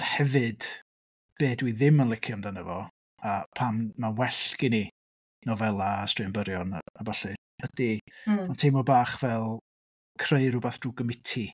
Hefyd, be dwi ddim yn licio amdano fo a pam ma' well gen i nofelau a straeon byrion a ballu ydy... m-hm. ...mae'n teimlo bach fel creu rywbeth drwy gomiti.